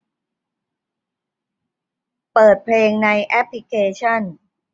เปิดเพลงในแอปพลิเคชั่น